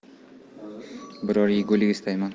biror yegulik istayman